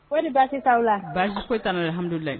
Paul ni basi t'aw la basi ko kanahamudulila